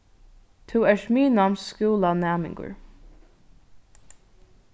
tú ert miðnámsskúlanæmingur